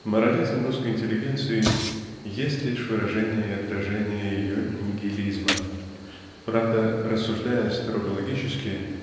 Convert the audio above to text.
Морализм русской интеллигенции есть лишь выражение и отражение ее нигилизма. Правда рассуждая строго логически